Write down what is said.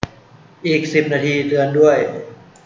อีกสิบนาทีเตือนด้วย